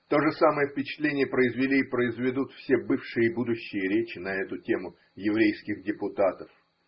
То же самое впечатление произвели и произведут все бывшие и будущие речи на эту тему еврейских депутатов.